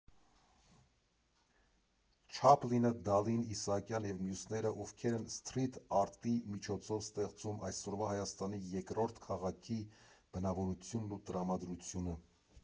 Չապլինը, Դալին, Իսահակյանը և մյուսները Ովքեր են սթրիթ արտի միջոցով ստեղծում այսօրվա Հայաստանի երկրորդ քաղաքի բնավորությունն ու տրամադրությունը։